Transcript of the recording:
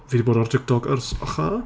Fi 'di bod ar TikTok ers achau.